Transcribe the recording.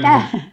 mitä